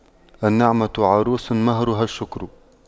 النعمة عروس مهرها الشكر